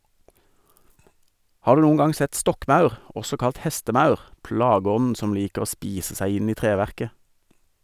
Har du noen gang sett stokkmaur, også kalt hestemaur, plageånden som liker å spise seg inn i treverket?